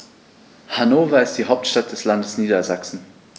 Hannover ist die Hauptstadt des Landes Niedersachsen.